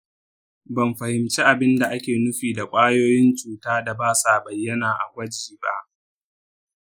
ban fahimci abin da ake nufi da ƙwayoyin cuta da ba sa bayyana a gwaji ba.